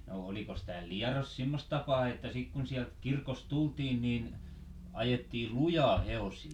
no olikos täällä Liedossa semmoista tapaa että sitten kun sieltä kirkosta tultiin niin ajettiin lujaa hevosilla